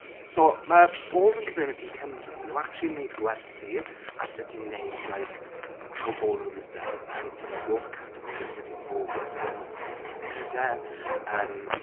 so ma' ballroom community Cymru maen nhw actually yn wneud gwersi ar sut i wneud like how ballroom is done, how to like walk a category, sut i fowgio, sut i ddysgu sut i neud e yym.